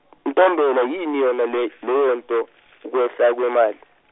Ntombela yini yona le leyonto, ukwehla kwemali.